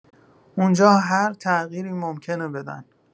اونجا هر تغییری ممکنه بدن.